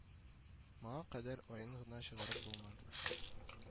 Моңа кадәр аен гына чыгарып булмады